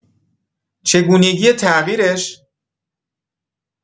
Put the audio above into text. چگونگی تغییرش